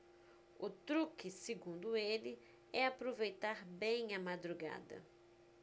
o truque segundo ele é aproveitar bem a madrugada